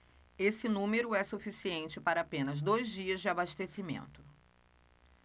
esse número é suficiente para apenas dois dias de abastecimento